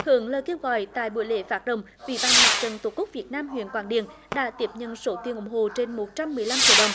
hưởng ứng lời kêu gọi tại buổi lễ phát động ủy ban mặt trận tổ quốc việt nam huyện quảng điền đã tiếp nhận số tiền ủng hộ trên một trăm mười lăm triệu đồng